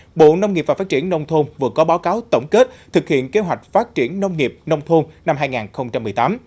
bộ nông nghiệp và phát triển nông thôn vừa có báo cáo tổng kết thực hiện kế hoạch phát triển nông nghiệp nông thôn năm hai ngàn không trăm mười tám